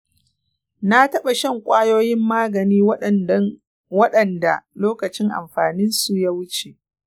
na taɓa shan ƙwayoyin magani waɗanda lokacin amfaninsu ya wuce.